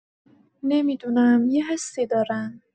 نمی‌دونم، یه حسی دارم.